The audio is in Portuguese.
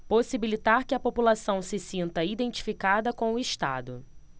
possibilitar que a população se sinta identificada com o estado